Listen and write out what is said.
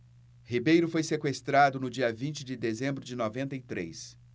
ribeiro foi sequestrado no dia vinte de dezembro de noventa e três